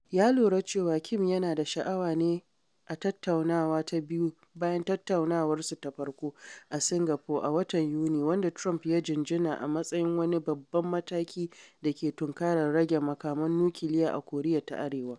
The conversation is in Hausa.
Ya lura cewa Kim yana da sha’awa ne a tattaunawa ta biyu bayan tattaunawarsu ta farko a Singapore a watan Yuni wanda Trump ya jinjina a matsayin wani babban mataki da ke tunkarar rage makaman nukiliya a Koriya ta Arewa.